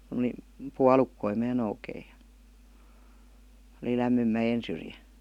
kun oli puolukoita minä noukin ja oli lämmin mäen syrjä